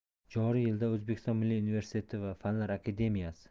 joriy yilda o'zbekiston milliy universiteti va fanlar akademiyasi